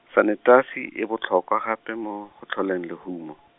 sanetasi e botlhokwa gape mo, go tlholeng lehumo.